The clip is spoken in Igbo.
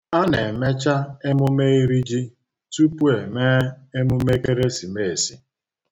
A na-emecha emume iri ji tupu e mee emume ekeresimesi.